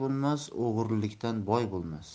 bo'lmas o'g'rikdan boy bo'lmas